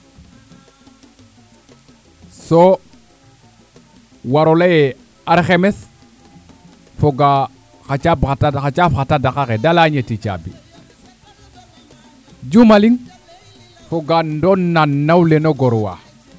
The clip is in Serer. so waro leye arxemes foga foga xa caab xa caab xa tadaka xe de leya ñetti caabi jumaling foga ndoona nawle no gor wa